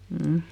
mm